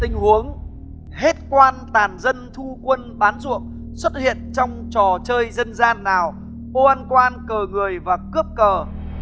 tình huống hết quan tàn dân thu quân bán ruộng xuất hiện trong trò chơi dân gian nào ô ăn quan cờ người và cướp cờ